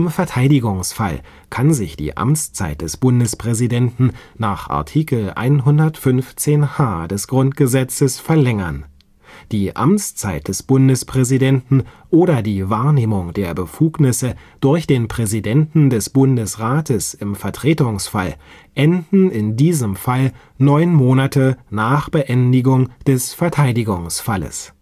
Verteidigungsfall kann sich die Amtszeit des Bundespräsidenten nach Artikel 115h des Grundgesetzes verlängern. Die Amtszeit des Bundespräsidenten oder die Wahrnehmung der Befugnisse durch den Präsidenten des Bundesrates im Vertretungsfall enden in diesem Falle neun Monate nach Beendigung des Verteidigungsfalles